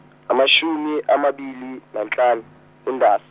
amashumi amabili nantlanu kuNdasa.